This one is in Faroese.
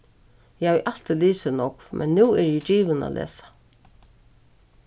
eg havi altíð lisið nógv men nú eri eg givin at lesa